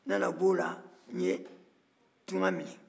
n nana b'o la n ye tunga minɛ